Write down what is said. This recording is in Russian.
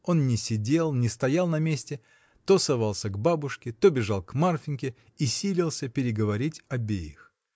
Он не сидел, не стоял на месте, то совался к бабушке, то бежал к Марфиньке и силился переговорить обеих.